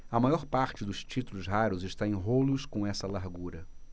a maior parte dos títulos raros está em rolos com essa largura